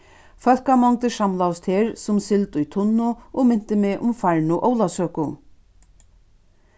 fólkamongdir samlaðust her sum sild í tunnu og mintu meg um farnu ólavsøku